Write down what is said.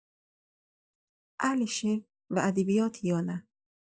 اهل شعر و ادبیاتی یا نه؟